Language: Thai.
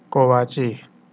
โกวาจี